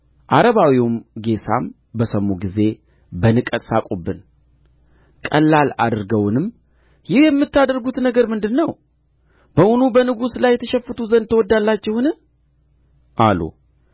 ዓረባዊውም ጌሳም በሰሙ ጊዜ በንቀት ሳቁብን ቀላል አድርገውንም ይህ የምታደርጉት ነገር ምንድር ነው በውኑ በንጉሡ ላይ ትሸፍቱ ዘንድ ትወድዳላችሁን አሉ